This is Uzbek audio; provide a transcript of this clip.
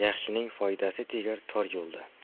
yaxshining foydasi tegar tor yo'lda